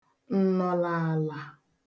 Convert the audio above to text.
ǹnọ̀lààlà